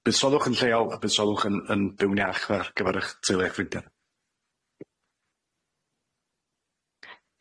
Wel buddsoddwch yn lleol a buddsoddwch yn yn Byw'n Iach ar gyfar y'ch teulu a'ch ffrindia.